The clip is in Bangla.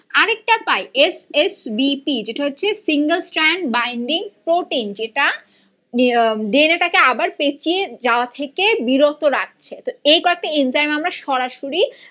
আরেকটা পাই এস এস বি পি যেটা হচ্ছে সিংগেল স্ট্র্যান্ড বাইন্ডিং পোর্টিং যেটা ডি এন এ টাকে আবার পেঁচিয়ে যাওয়া থেকে বিরত রাখছে তো এ কয়েকটা এনজাইম আমরা সরাসরি